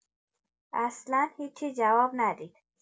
اصلا هیچی جواب ندید.